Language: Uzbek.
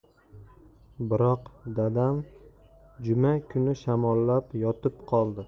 biroq dadam juma kuni shamollab yotib qoldi